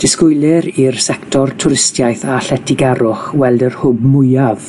Disgwylir i'r sector twristiaeth a lletygarwch weld yr hwb mwyaf